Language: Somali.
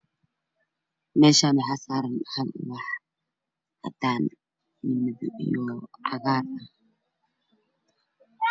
Meshan waxsarana hal ubax cadan io cagar ah